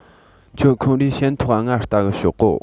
ཁྱོད ཁོམ རས ཞན ཐོག ག ངའ ལྟ གི ཤོག གོ